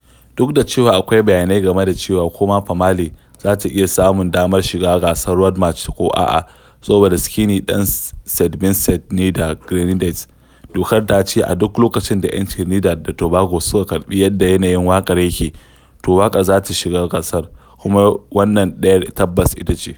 Duk da cewa akwai bayanai game da cewa ko ma "Famalay" za ta iya samun damar shiga gasar Road March ko a'a, saboda Skinny ɗan St. ɓincent ne da Grenadines, dokar ta ce a duk lokcin da 'yan Trinidad da Tobago suka karɓi yadda yanayin waƙar yake, to waƙar za ta iya shiga gasar - kuma wannan ɗayar tabbas ita ce.